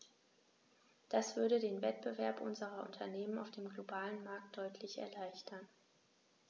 Das würde den Wettbewerb unserer Unternehmen auf dem globalen Markt deutlich erleichtern.